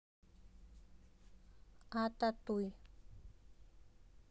ататуй